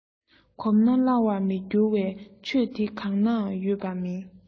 གོམས ན སླ བར མི འགྱུར བའི ཆོས དེ གང ནའང ཡོད མ ཡིན